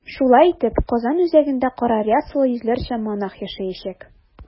Шулай итеп, Казан үзәгендә кара рясалы йөзләрчә монах яшәячәк.